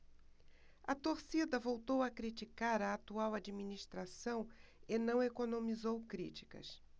a torcida voltou a criticar a atual administração e não economizou críticas